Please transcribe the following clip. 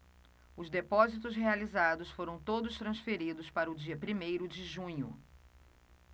os depósitos realizados foram todos transferidos para o dia primeiro de junho